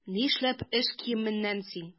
Нишләп эш киеменнән син?